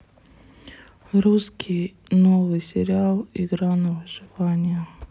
русский новый сериал игра на выживание